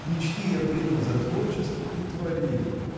мечты я принял за творчество и творил.